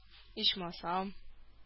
Ичмасам